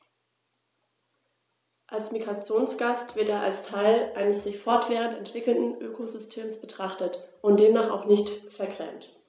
Als Migrationsgast wird er als Teil eines sich fortwährend entwickelnden Ökosystems betrachtet und demnach auch nicht vergrämt.